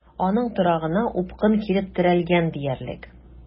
Аның торагына упкын килеп терәлгән диярлек.